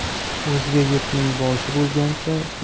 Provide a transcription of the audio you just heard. o'zga yurtning boshi bo'lgancha